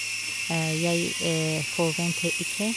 Jeg forvente ikke.